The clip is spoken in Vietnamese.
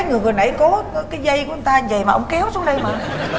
cái người vừa nãy có cái dây của người ta dầy mà ông kéo xuống đây mà